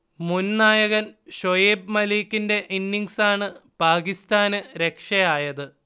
മുൻ നായകൻ ഷുഐബ് മലീക്കിന്റെ ഇന്നിങ്സാണ് പാകിസ്താന് രക്ഷയായത്